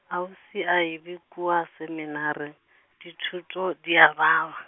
Ausi Albi, kua seminari, dithuto di a baba.